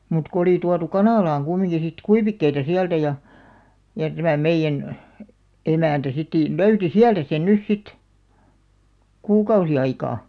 mutta kun oli tuotu kanalaan kumminkin sitten kuivikkeita sieltä ja ja tämä meidän emäntä sitten löysi sieltä sen nyt sitten kuukausi aikaa